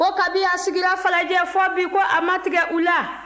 ko kabi a sigira falajɛ fɔ bi ko a ma tigɛ u la